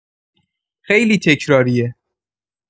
خیلی تکراریه.